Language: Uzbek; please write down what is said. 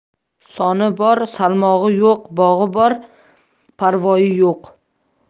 soni bor salmog'i yo'q bog'i bor parvoyi yo'q